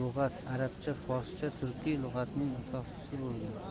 lug'at arabcha forscha turkiy lug'atning asoschisi bo'lgan